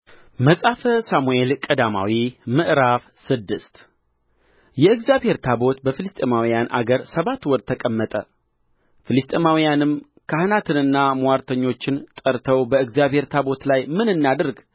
መጽሐፈ ሳሙኤል ቀዳማዊ ምዕራፍ ስድስት የእግዚአብሔር ታቦት በፍልስጥኤማውያን አገር ሰባት ወር ተቀመጠ ፍልስጥኤማውያንም ካህናትንና ምዋርተኞችን ጠርተው በእግዚአብሔር ታቦት ላይ ምን እናድርግ